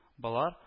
Болар –